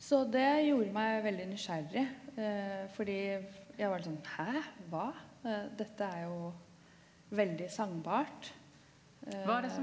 så det gjorde meg veldig nysgjerrig fordi jeg var litt sånn hæ hva dette er jo veldig sangbart .